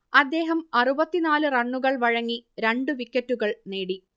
അദ്ദേഹം അറുപത്തി നാല് റണ്ണുകൾ വഴങ്ങി രണ്ട് വിക്കറ്റുകൾ നേടി